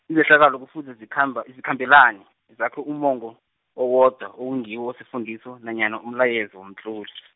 izehlakalo kufuze zikhamba, zikhambelane, zakhe ummongo, owodwa ekungiwo osifundiso nanyana umlayezo womtloli.